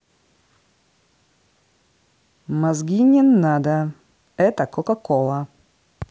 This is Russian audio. мозги не надо это coca cola